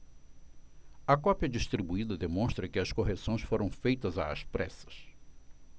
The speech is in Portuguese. a cópia distribuída demonstra que as correções foram feitas às pressas